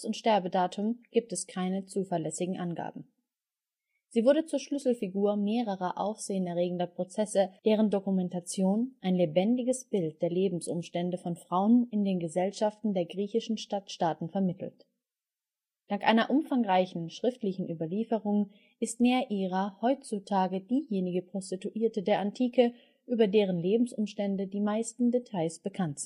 Sterbedatum gibt es keine zuverlässigen Angaben. Sie wurde zur Schlüsselfigur mehrerer aufsehenerregender Prozesse, deren Dokumentation ein lebendiges Bild der Lebensumstände von Frauen in den Gesellschaften der griechischen Stadtstaaten vermittelt. Dank einer umfangreichen schriftlichen Überlieferung ist Neaira heutzutage diejenige Prostituierte der Antike, über deren Lebensumstände die meisten Details bekannt